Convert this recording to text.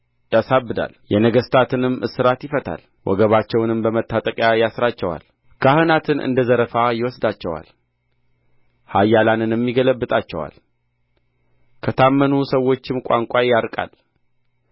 ያሳብዳል የነገሥታትንም እስራት ይፈታል ወገባቸውንም በመታጠቂያ ያስራቸዋል ካህናትን እንደ ዘረፋ ይወስዳቸዋል ኃያላንንም ይገለብጣቸዋል ከታመኑ ሰዎችም ቋንቋን ያርቃል